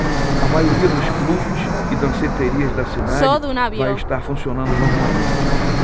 a maioria dos clubes e danceterias da cidade vai estar funcionando normalmente